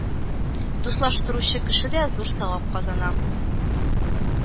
Дуслаштыручы кеше дә зур савап казана